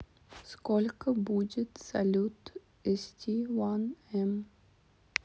сколько будет салют st1m